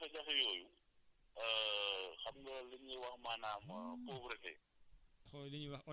jafe-jafe yooyu xam nga li ñuy wax maanaam pauvreté